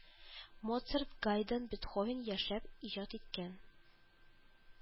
Моцарт, Гайдн, Бетховен яшәп иҗат иткән